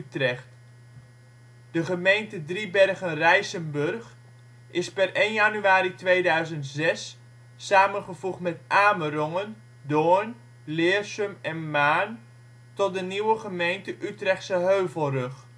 Utrecht. De gemeente Driebergen-Rijsenburg is per 1 januari 2006 samengevoegd met Amerongen, Doorn, Leersum en Maarn tot de nieuwe gemeente Utrechtse Heuvelrug